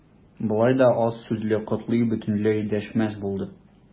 Болай да аз сүзле Котлый бөтенләй дәшмәс булды.